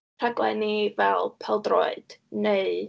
rhaglenni fel pêl-droed neu...